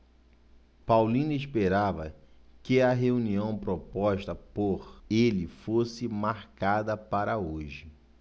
paulino esperava que a reunião proposta por ele fosse marcada para hoje